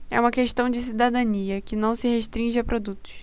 é uma questão de cidadania que não se restringe a produtos